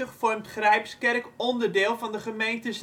vormt Grijpskerk onderdeel van de gemeente